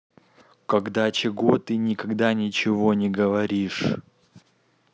когда чего ты никогда ничего не говоришь